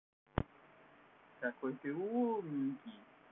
какой ты умненький